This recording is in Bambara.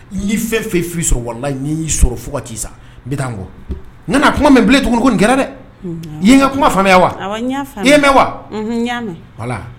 Ii fɛn fɛ' sɔrɔ wala y'i sɔrɔ fo' sa n bɛ n kɔ n kuma min tugun nin kɛra dɛ ii ka kuma faamuya wa mɛn wa